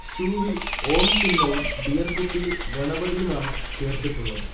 ഷൂവിൽ ഓം ചിഹ്നവും ബിയർകുപ്പിയിൽ ഗണപതിയുമാണ് ചേർത്തിട്ടുള്ളത്